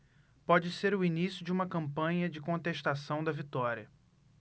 pode ser o início de uma campanha de contestação da vitória